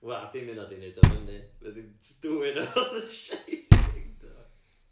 Wel dim hyd yn oed 'di neud o fyny ma' di jyst dwyn o The Shining do